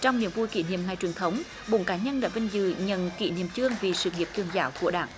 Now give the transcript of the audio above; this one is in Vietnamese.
trong niềm vui kỷ niệm ngày truyền thống bốn cá nhân đã vinh dự nhận kỷ niệm chương vì sự nghiệp tuyên giáo của đảng